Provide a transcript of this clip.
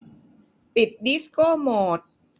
ปิดดิสโก้โหมด